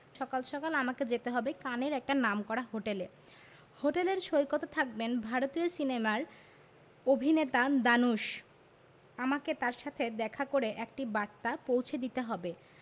সকাল সকাল আমাকে যেতে হবে কানের একটা নামকরা হোটেলে হোটেলের সৈকতে থাকবেন ভারতীয় সিনেমার অভিনেতা ধানুশ আমাকে তার সাথে দেখা করে একটি বার্তা পৌঁছে দিতে হবে